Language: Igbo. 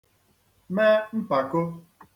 me mpàko